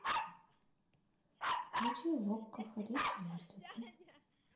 включи в окко ходячие мертвецы